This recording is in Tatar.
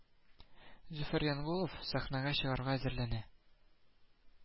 Зөфәр Янгулов сәхнәгә чыгарга әзерләнә